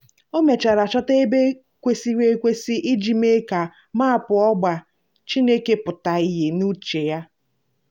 O mechara chọta ebe kwesịrị ekwesị iji mee ka maapụ ọgba Chineke pụta ihe n'uche ya.